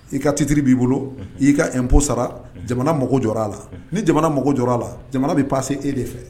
I ka citiri b'i bolo i y ka ep sara jamana mɔgɔ jɔ a la ni jamana mɔgɔ jɔ a la jamana bɛ pa se e de fɛ